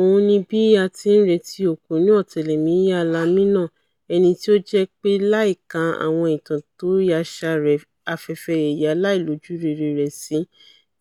Òun ni bí a ti ńretí òpònú ọ̀tẹlẹ̀múyẹ́ alami náà ẹnití o jẹ́pé láìka àwọn ẹ̀tàn tóyaṣa rẹ̀ afẹfẹ yẹ̀yẹ̀ aláìlójúrere rẹ̀ sí